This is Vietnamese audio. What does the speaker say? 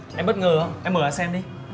em bất ngờ không em mở ra xem đi